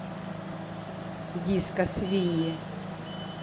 диско свиньи